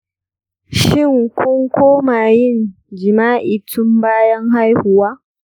shin kun koma yin jima’i tun bayan haihuwa?